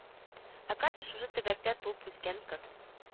Ә катя шушы төбәктә туып-үскән кыз